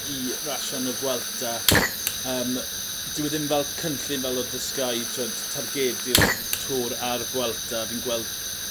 i rasio yn y Vuelta yym dyw e ddim fel cynllun fel o'dd 'da Sky t'wod taegedu'r V- Tour a'r Vuelta fi'n gweld